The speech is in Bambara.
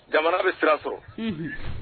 Jamana bɛ sira sɔrɔ